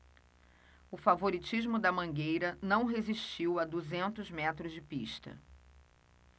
o favoritismo da mangueira não resistiu a duzentos metros de pista